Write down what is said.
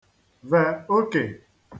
vè okè